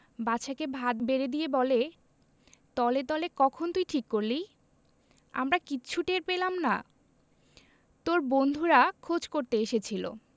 বাদশাকে ভাত বেড়ে দিয়ে বলে তলে তলে কখন তুই ঠিক করলি আমরা কিচ্ছু টের পেলাম না তোর বন্ধুরা খোঁজ করতে এসেছিলো